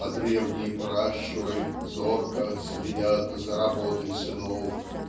-- А древние пращуры зорко Следят за работой сынов